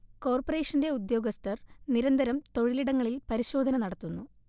കോർപറേഷന്റെ ഉദ്യോഗസ്ഥർ നിരന്തരം തൊഴിലിടങ്ങളിൽ പരിശോധന നടത്തുന്നു